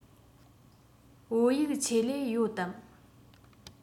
བོད ཡིག ཆེད ལས ཡོད དམ